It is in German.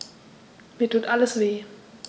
Mir tut alles weh.